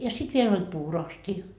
ja sitten vielä oli puuroastia